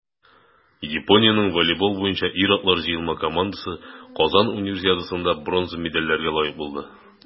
Япониянең волейбол буенча ир-атлар җыелма командасы Казан Универсиадасында бронза медальләргә лаек булды.